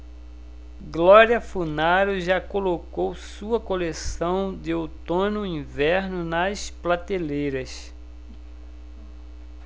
glória funaro já colocou sua coleção de outono-inverno nas prateleiras